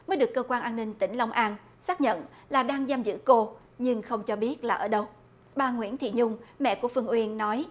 mới được cơ quan an ninh tỉnh long an xác nhận là đang giam giữ cô nhưng không cho biết là ở đâu bà nguyễn thị nhung mẹ của phương uyên nói